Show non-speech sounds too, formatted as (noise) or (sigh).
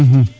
(hesitation) (hesitation)